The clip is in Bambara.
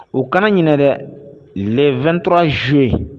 U kana ɲ dɛ le2tra zuo ye